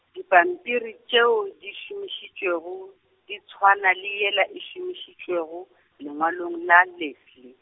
dipampiri tšeo di šomišitšwego, di tšhwana le yela e šomišitšwego, lengwalong la Leslie.